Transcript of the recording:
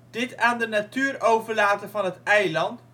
Dit aan de natuur overlaten van het eiland